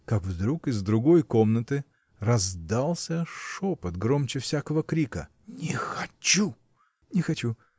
– как вдруг из другой комнаты раздался шепот громче всякого крика Не хочу! – Не хочу!